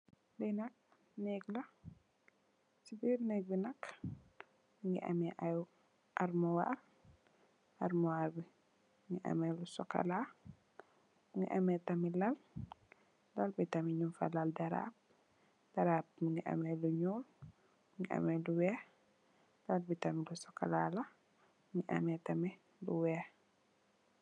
Le nak nekla si pari nek bi nak mu amei yei amura amura mu amei bu sokola mu amei lal lal bi nue fa lal darraf daraf mu nei lu nuu bu weex mu amei tamit lan lan bi tamit bu sokolala amei tamit lu weex